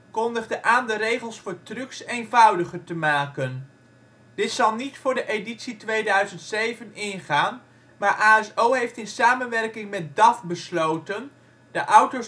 kondigde aan de regels voor trucks eenvoudiger te maken. Dit zal niet voor de editie 2007 ingaan, maar A.S.O. heeft in samenwerking met DAF besloten de auto